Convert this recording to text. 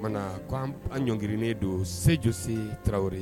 Okumana k'an ɲɔngirinnen don Se Jose Tarawelewre